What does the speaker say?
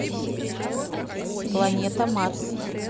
планета марс